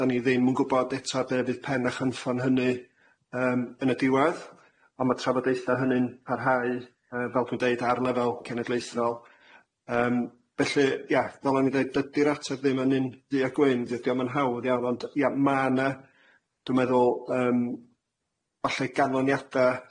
'Dan ni ddim yn gwbod eto be fydd pen a chynffon hynny yym yn y diwedd ond ma' trafodaethe hynny'n parhau yy fel dwi'n deud ar lefel cenedlaethol yym felly ia, fel o'n i'n ddeud dydi'r ateb ddim yn un du a gwyn dydi o'm yn hawdd iawn ond ia ma' 'na dwi'n meddwl yym falle ganlyniada,